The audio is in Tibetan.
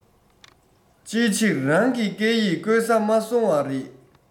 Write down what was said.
ཅིའི ཕྱིར རང གི སྐད ཡིག བཀོལ ས མ སོང བ རེད